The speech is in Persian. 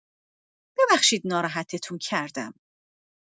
ببخشید ناراحتتون کردم.